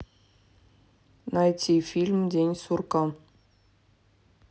найти фильм день сурка